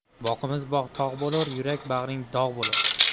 boqimsiz bog' tog' bo'lur yurak bag'ring dog' bo'lur